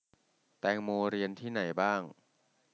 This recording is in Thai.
แตงโมเรียนที่ไหนบ้าง